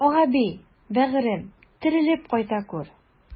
Акъәби, бәгырем, терелеп кайта күр!